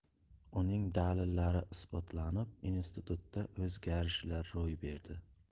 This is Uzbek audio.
uning dalillari isbotlanib institutda o'zgarishlar ro'y berdi